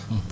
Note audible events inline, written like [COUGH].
[HESITATION] [HESITATION]